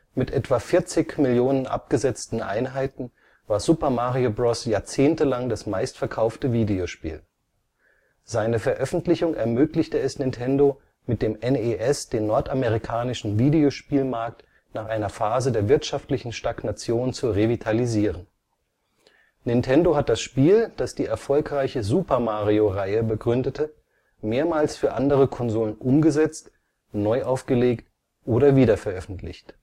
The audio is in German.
Mit etwa 40 Millionen abgesetzten Einheiten war Super Mario Bros. jahrzehntelang das meistverkaufte Videospiel. Seine Veröffentlichung ermöglichte es Nintendo, mit dem NES den nordamerikanischen Videospielmarkt nach einer Phase der wirtschaftlichen Stagnation zu revitalisieren. Nintendo hat das Spiel, das die erfolgreiche Super-Mario-Reihe begründete, mehrmals für andere Konsolen umgesetzt, neuaufgelegt oder wiederveröffentlicht